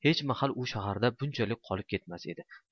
hech mahal u shaharda bunchalik qolib ketmas edi